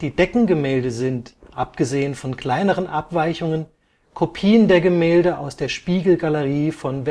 Deckengemälde sind, abgesehen von kleineren Abweichungen, Kopien der Gemälde aus der Spiegelgalerie von